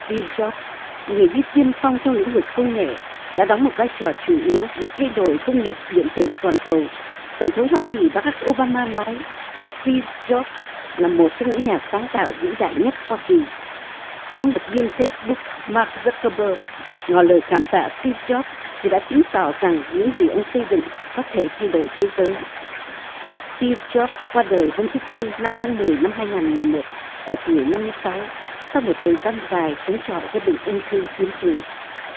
ti vơ gióp người đi tiên phong trong lĩnh vực công nghệ đã đóng một vai trò chủ yếu để thay đổi công nghiệp điện tử toàn cầu tổng thống hoa kỳ ba rắc ô ba ma nói s ti vơ gióp là một trong những nhà sáng tạo vĩ đại nhất hoa kỳ sáng lập viên phây s búc mác da ca bơ ngỏ lời cảm tạ s ti vơ gióp vì đã chứng tỏ rằng những gì ông xây dựng có thể thay đổi thế giới s ti vơ gióp qua đời hôm thứ tư năm tháng mười năm hai ngàn mười một ở tuổi năm mươi sáu sau một thời gian dài chống chọi với bệnh ung thư tuyến tụy